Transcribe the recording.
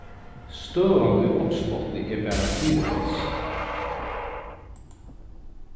støðan í vágsbotni er bara fyribils